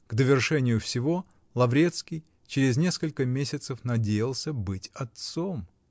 К довершению всего, Лаврецкий через несколько месяцев надеялся быть отцом.